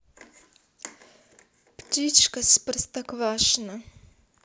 птичка с простоквашино